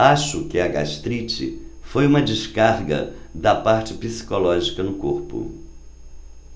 acho que a gastrite foi uma descarga da parte psicológica no corpo